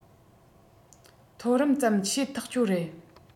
མཐོ རིམ ཙམ བཤད ཐག ཆོད རེད